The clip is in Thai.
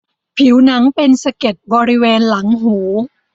ผิวหนังเป็นสะเก็ดบริเวณหลังหู